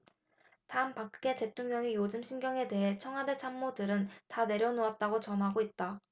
단박근혜 대통령의 요즘 심경에 대해 청와대 참모들은 다 내려놓았다고 전하고 있다